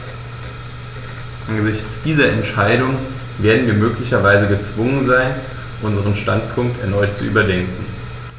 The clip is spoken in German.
Angesichts dieser Entscheidung werden wir möglicherweise gezwungen sein, unseren Standpunkt erneut zu überdenken.